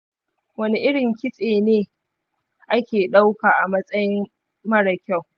wane irin kitse ne ake ɗauka a matsayin mara kyau?